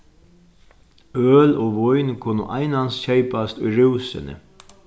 øl og vín kunnu einans keypast í rúsuni